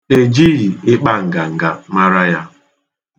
E jighị ikpa nganga mara ya.